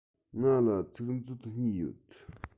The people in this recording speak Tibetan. ང ལ ཚིག མཛོད གཉིས ཡོད